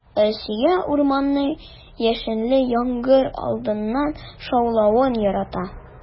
Илсөя урманның яшенле яңгыр алдыннан шаулавын ярата.